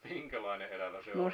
minkälainen elävä se oli